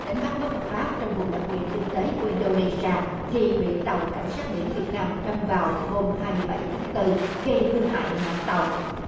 đánh bắt bất hợp pháp trong vùng đặc quyền kinh tế của in đô nê xi a thì bị tàu cảnh sát biển việt nam đâm vào hôm hai mươi bảy tháng tư gây hư hại mạn tàu